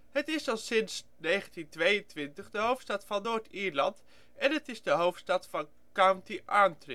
is sinds 1922 de hoofdstad van Noord-Ierland, en het is de hoofdstad van County Antrim. De